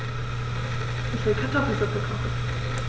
Ich will Kartoffelsuppe kochen.